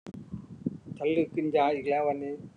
ฉันลืมกินยาอีกแล้ววันนี้